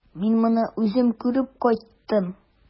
Мин моны үзем күреп кайттым.